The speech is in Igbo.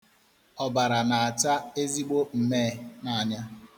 Ọbara na-acha ezigbo mmee n'anya.